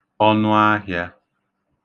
ọnụahị̄ā